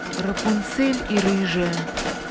рапунцель и рыжая